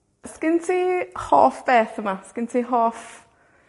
O;s gen ti hoff beth yma? 'Sgen ti hoff